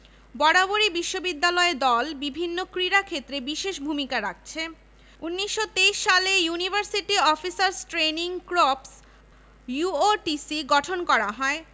নবাব নওয়াব আলী চৌধুরী সিনেটভবন নির্মাণ করা হয় ২০০৭ সালে এখানে রয়েছে অত্যাধুনিক সুবিধা সম্বলিত ৪৮০ আসন বিশিষ্ট একটি মনোরম